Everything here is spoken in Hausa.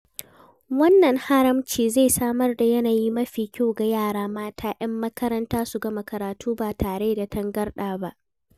Wannan haramci zai samar da yanayi mafi kyau ga yara mata 'yan makaranta su gama karatu ba tare da tangarɗa ba,